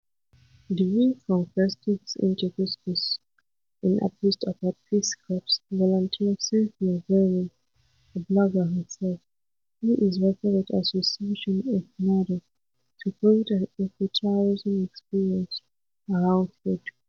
The View from Fez digs into couscous in a post about Peace Corps volunteer Cynthia Berning (a blogger herself), who is working with Association ENNAHDA to create an eco-tourism experience around food.